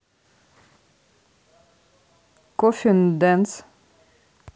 coffin dance